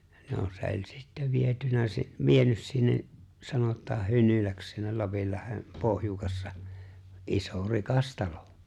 no se oli sitten viety - vienyt sinne sanotaan Hynyläksi sinne Lapinlahden pohjukassa iso rikas talo